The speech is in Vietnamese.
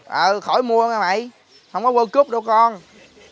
ờ khỏi mua nghe mày không có guôn cúp đâu con